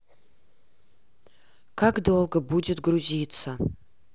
как долго будет грузиться